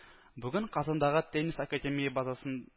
Бүген Казандагы Теннис академия базасын